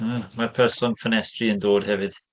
Mm, mae'r person ffenestri yn dod hefyd.